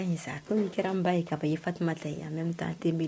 Taa